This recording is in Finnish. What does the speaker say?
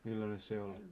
millainen se oli